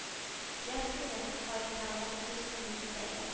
Яз көне кайталар көз көне китәләр